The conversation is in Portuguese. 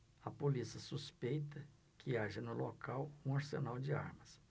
a polícia suspeita que haja no local um arsenal de armas